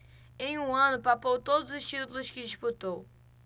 em um ano papou todos os títulos que disputou